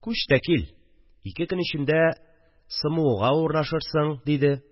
– күч тә кил, ике көн эчендә смуга урнашырсың, – диде